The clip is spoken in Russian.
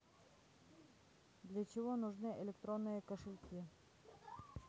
для чего нужны электронные кошельки